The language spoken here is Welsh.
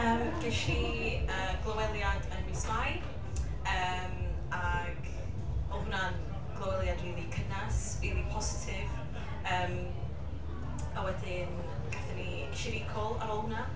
Yy ges i, yy glyweliad yn mis Mai. Yym ac oedd hwnna'n glywedliad rili cynnes, rili positif. Yym a wedyn gaethon ni... ges i recall ar ôl hwnna.